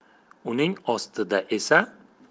uning ostida esa